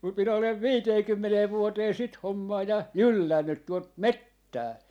kun minä olen viiteenkymmeneen vuoteen sitä hommaa ja jyllännyt tuota metsää